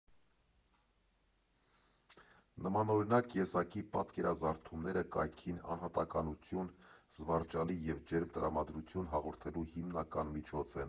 Նմանօրինակ եզակի պատկերազարդումները կայքին անհատականություն, զվարճալի և ջերմ տրամադրություն հաղորդելու հիանալի միջոց են։